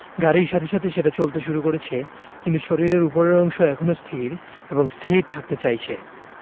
গাড়ির সাথে সাথে সেটা চলতে শুরু করেছে কিন্তু শরীরের ওপরের অংশ এখনো স্থির এবং স্থির থাকতে চাইছে